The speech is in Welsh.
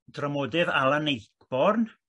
dramodydd Alan Ayckbourn